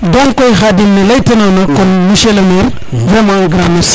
donc kon Khadim ne letyta nona Monsieur le maire vraiment grand merci